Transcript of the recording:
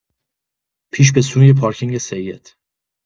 پیش به سوی پارکینگ سید